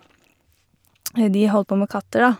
De holdt på med katter, da.